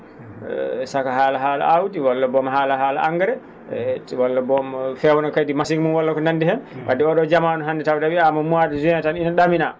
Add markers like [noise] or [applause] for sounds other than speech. [hesitation] saka haala haala aawdi walla bom haala haala engrais walla boom fewena kadi machine walla ko nandi heen wadde o?o jamanuhannde tawde a wiyaama mois de juin tan ina ?aminaa